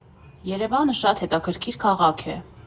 Երևանը շատ հետաքրքիր քաղաք է.